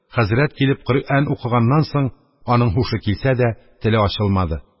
Хәзрәт килеп Коръән укыганнан соң аның һушы килсә дә, теле ачылмады.